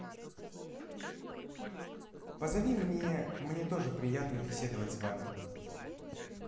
позови мне мне тоже приятно беседовать с вами